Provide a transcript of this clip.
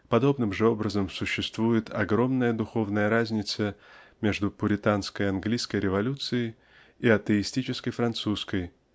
Подобным же образом существует огромная духовная разница между пуританской английской революцией и атеистической французской